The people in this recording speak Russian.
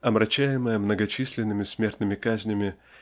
омрачаемая многочисленными смертными казнями